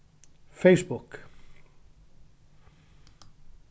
facebook